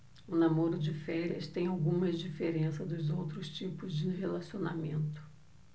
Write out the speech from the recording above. o namoro de férias tem algumas diferenças dos outros tipos de relacionamento